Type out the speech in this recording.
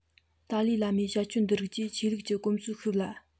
ཏཱ ལའི བླ མའི བྱ སྤྱོད འདི རིགས ཀྱིས ཆོས ལུས ཀྱི གོམས སྲོལ བཤིག ལ